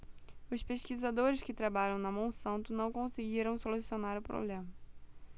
os pesquisadores que trabalham na monsanto não conseguiram solucionar o problema